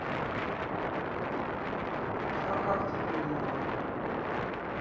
а как ты придумала